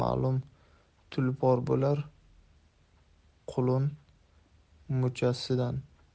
ma'lum tulpor bo'lar qulun muchasidan